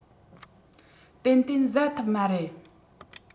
ཏན ཏན བཟའ ཐུབ མ རེད